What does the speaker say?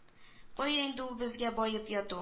Кая инде ул безгә баеп яту